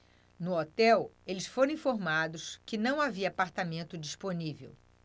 no hotel eles foram informados que não havia apartamento disponível